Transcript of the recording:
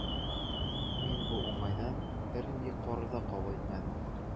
Мин бу уңайдан бернинди карар да кабул итмәдем.